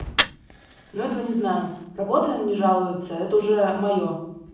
ну этого не знаю работы не жалуется это уже мое